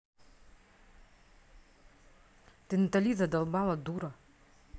ты натали задолбала дура